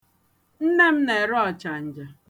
Nne m na-ere ọchanja.